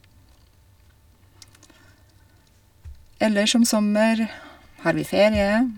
Ellers om sommer har vi ferie.